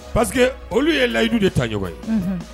Parce que olu ye layidu de ta ɲɔgɔn ye Unhun